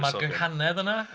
Mae'r gynghanedd yna?